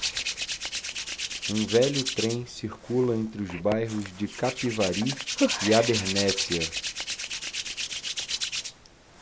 um velho trem circula entre os bairros de capivari e abernéssia